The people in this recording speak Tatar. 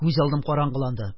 Күз алдым караңгыланды